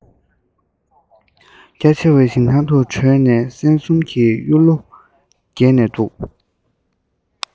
རྒྱ ཆེ བའི ཞིང ཐང དུ གྲོ ནས སྲན གསུམ གྱི གཡུ ལོ རྒྱས ནས འདུག